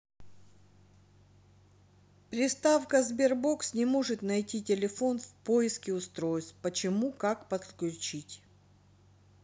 приставка sberbox не может найти телефон в поиске устройств почему как подключить